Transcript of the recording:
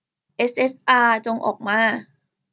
เอสเอสอาร์จงออกมา